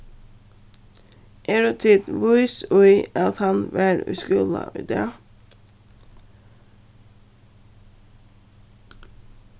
eru tit vís í at hann var í skúla í dag